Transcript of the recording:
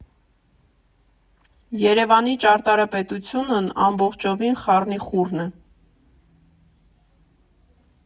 Երևանի ճարտարապետությունն ամբողջովին խառնիխուռն է.